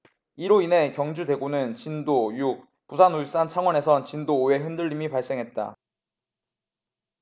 이로 인해 경주 대구는 진도 육 부산 울산 창원에선 진도 오 의 흔들림이 발생했다